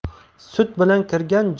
sut bilan kirgan